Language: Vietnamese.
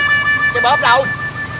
cái bóp đâu